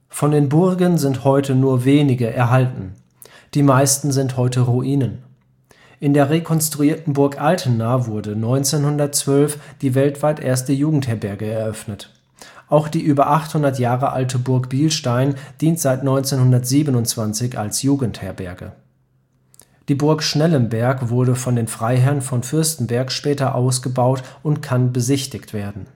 Von den Burgen sind nur wenige erhalten. Die meisten sind heute Ruinen. In der rekonstruierten Burg Altena wurde 1912 die weltweit erste Jugendherberge eröffnet. Auch die über 800 Jahre alte Burg Bilstein dient seit 1927 als Jugendherberge. Die Burg Schnellenberg wurde von den Freiherren von Fürstenberg später ausgebaut und kann besichtigt werden